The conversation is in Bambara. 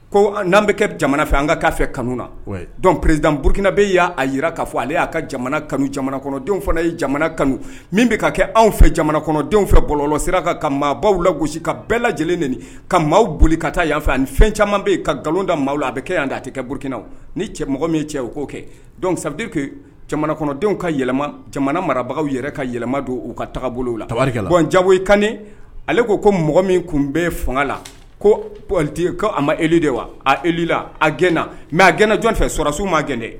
Ko n'an bɛ kɛ jamana fɛ an ka ka fɛ kanu na dɔn pered burukina bɛ y'a jira k kaa fɔ ale y'a ka jamana kanu jamana kɔnɔdenw fana ye jamana kanu min bɛ ka kɛ anw fɛ jamana kɔnɔdenw fɛ bɔlɔlɔ sira ka ka maabaw la gosi ka bɛɛ lajɛlen ka maa boli ka taa yanfɛ ani fɛn caman bɛ yen ka nkalonda maaw a bɛ kɛ yan d' tɛ kɛ burukinaw ni cɛ mɔgɔ min cɛ o'o kɛ dɔnku sabadenw jamana kɔnɔdenw ka jamana marabagaw yɛrɛ ka yɛlɛma don uu ka tagabolo u la ta bɔn jawoyi kan ale ko ko mɔgɔ min tun bɛ fanga la kote ko a ma e de wa ala a gɛnna mɛ a gɛnna jɔn fɛ sɔrasiw ma gɛn